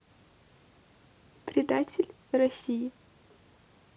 предатели россии